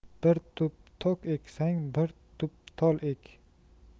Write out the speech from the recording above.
bir tup tok eksang bir tup tol ek